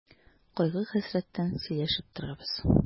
Кайгы-хәсрәттән сөйләшеп торабыз.